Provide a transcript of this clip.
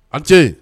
Atɛ